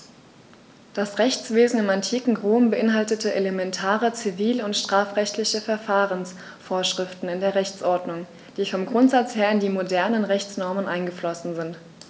Das Rechtswesen im antiken Rom beinhaltete elementare zivil- und strafrechtliche Verfahrensvorschriften in der Rechtsordnung, die vom Grundsatz her in die modernen Rechtsnormen eingeflossen sind.